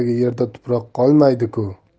yerda tuproq qolmaydiku